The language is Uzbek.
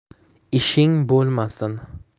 ishing bo'lmasin